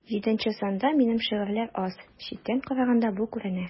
Җиденче санда минем шигырьләр аз, читтән караганда бу күренә.